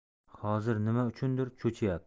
hozir nima uchundir cho'chiyapti